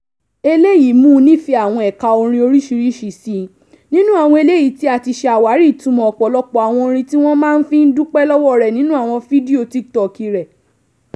Eléyìí mú u nífẹ̀ẹ́ àwọn ẹ̀ka orin orísìíríṣìí sí, nínú àwọn eléyìí tí a ti ṣe àwárí ìtumọ̀ ọ̀pọ̀lọpọ̀ àwọn orin tí wọ́n máa ń fi dúpẹ́ lọ́wọ́ rẹ̀ nínu àwọn fídíò Tiktok rẹ.